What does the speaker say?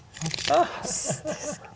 fantastisk.